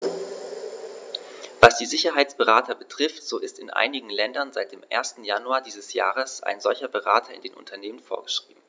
Was die Sicherheitsberater betrifft, so ist in einigen Ländern seit dem 1. Januar dieses Jahres ein solcher Berater in den Unternehmen vorgeschrieben.